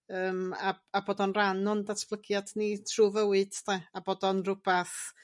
yym a a bod o'n rhan o'n datblygiad ni trw' fywy 'de a bod o'n rhwbath